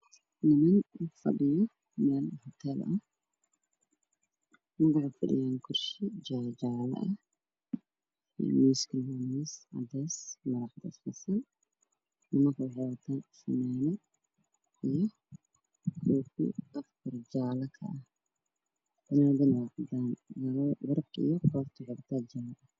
Nin fadhiyo meel Hotel ah ninka waxa uu ku fadhiyaa nimanka waxay wataan dhrkooduna waa cadaan